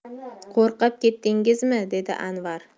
qo'rqib ketdingizmi dedi anvar